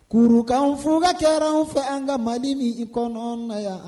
K kurukanf ka ca an fɛ an ka mali ni i kɔnɔ na yan